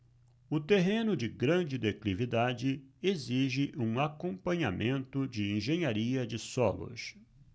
o terreno de grande declividade exige um acompanhamento de engenharia de solos